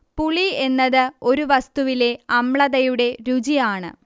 പുളി എന്നത് ഒരു വസ്തുവിലെ അമ്ളതയുടെ രുചി ആണ്